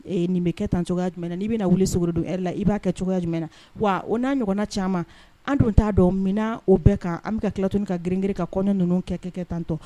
Nin bɛ kɛ tan cogoya jumɛn na n' bɛna wuli so don e la i b'a kɛ cogoya jumɛnɛna wa o n'a ɲɔgɔn na caman an don t'a dɔn min o bɛɛ kan an bɛ ka tilat ka grinirin ka kɔnɛ ninnu kɛ kɛ kɛ tantɔ